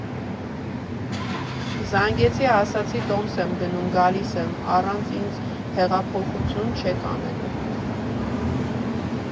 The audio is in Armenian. Զանգեցի, ասացի՝ տոմս եմ գնում, գալիս եմ, առանց ինձ հեղափոխություն չեք անելու։